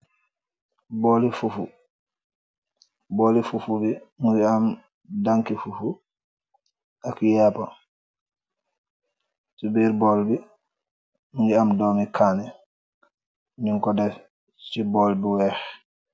booli fuufu bi muy am danki fufu ak yaapa ci biir bool bi ngi am doomi caane nun ko def ci bool bi weex